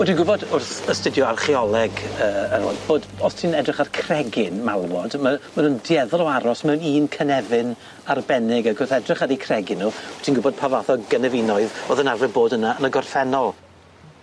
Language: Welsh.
Wel dwi'n gwbod wrth astudio archeoleg yy yy bod os ti'n edrych ar cregyn malwod ma' ma' nw'n dueddol o aros mewn un cynefin arbennig ag wrth edrych ar 'u cregyn nw ti'n gwbod pa fath o gynefinoedd o'dd yn arfer bod yna yn y gorffennol.